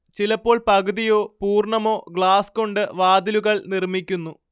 ചിലപ്പോൾ പകുതിയോ പൂർണ്ണമോ ഗ്ലാസ് കൊണ്ട് വാതിലുകൽ നിർമ്മിക്കുന്നു